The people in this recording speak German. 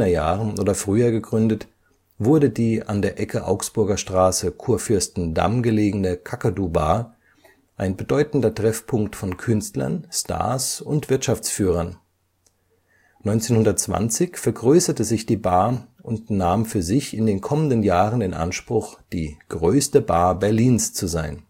Jahren oder früher gegründet, wurde die an der Ecke Augsburger Straße / Kurfürstendamm gelegene „ Kakadu Bar “ein bedeutender Treffpunkt von Künstlern, Stars und Wirtschaftsführern. 1920 vergrößerte sich die Bar und nahm für sich in den kommenden Jahren in Anspruch, die „ größte Bar Berlins “zu sein